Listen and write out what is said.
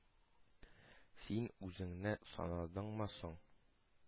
— син үзеңне санадыңмы соң?